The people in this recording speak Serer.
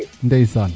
ndeysaan